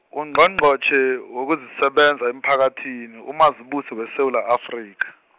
Ungqongqotjhe, wokuzisebenza emphakathini, uMazibuse weSewula Afrika.